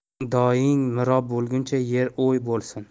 doying mirob bo'lguncha yering o'y bo'lsin